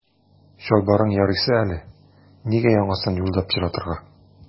Чалбарың ярыйсы әле, нигә яңасын юлда пычратырга.